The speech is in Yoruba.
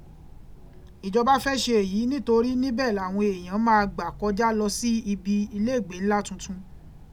Ìjọba fẹ́ ṣe èyí nítorí níbẹ̀ làwọn èèyàn máa gbà kọjá lọ sí ibi ilégbèé ńlá tuntun.